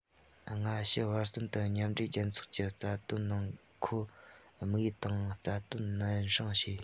སྔ ཕྱི བར གསུམ དུ མཉམ འབྲེལ རྒྱལ ཚོགས ཀྱི རྩ འཛིན ནང འཁོད དམིགས ཡུལ དང རྩ དོན ནན སྲུང བྱས